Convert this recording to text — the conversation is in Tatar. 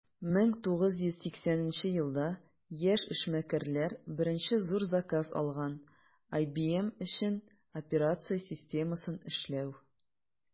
1980 елда яшь эшмәкәрләр беренче зур заказ алган - ibm өчен операция системасын эшләү.